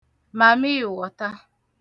màmịịwọ̀ta